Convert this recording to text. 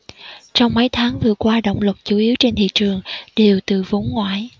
trong mấy tháng vừa qua động lực chủ yếu trên thị trường đều từ vốn ngoại